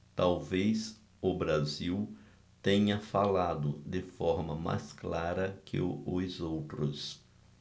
talvez o brasil tenha falado de forma mais clara que os outros